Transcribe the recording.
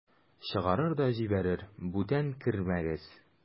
Чыгарыр да җибәрер: "Бүтән кермәгез!"